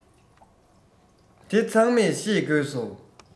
དེ ཚང མས ཤེས དགོས སོ